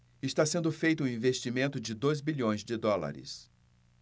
está sendo feito um investimento de dois bilhões de dólares